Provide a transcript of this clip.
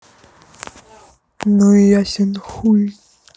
ну ясен хуй